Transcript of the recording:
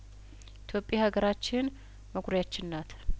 ኢትዮጵያ ሀገራችን መኩሪያችን ናት